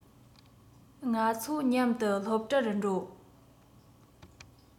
ང ཚོ མཉམ དུ སློབ གྲྭར འགྲོ